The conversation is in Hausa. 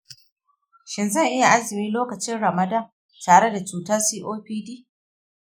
shin zan iya azumi lokacin ramadan tare da cutar copd?